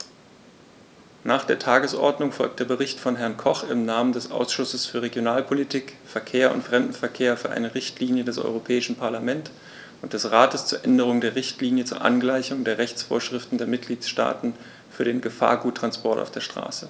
Nach der Tagesordnung folgt der Bericht von Herrn Koch im Namen des Ausschusses für Regionalpolitik, Verkehr und Fremdenverkehr für eine Richtlinie des Europäischen Parlament und des Rates zur Änderung der Richtlinie zur Angleichung der Rechtsvorschriften der Mitgliedstaaten für den Gefahrguttransport auf der Straße.